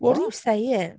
What are you saying?